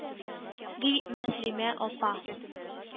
– ди мөслимә апа.